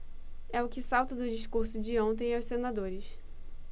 é o que salta do discurso de ontem aos senadores